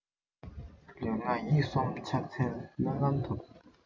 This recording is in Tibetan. ལུས ངག ཡིད གསུམ ཕྱག འཚལ སྨོན ལམ ཐོབ